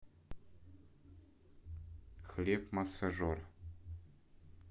хлеб массажер